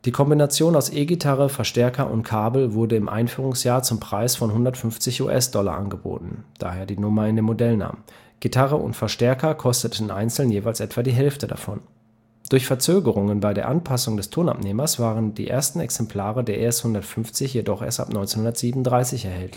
Kombination aus E-Gitarre, Verstärker und Kabel wurde im Einführungsjahr zum Preis von 150 US-$ angeboten (daher die Nummer in den Modellnamen), Gitarre und Verstärker kosteten einzeln jeweils etwa die Hälfte davon. Durch Verzögerungen bei der Anpassung des Tonabnehmers waren die ersten Exemplare der ES-150 jedoch erst ab 1937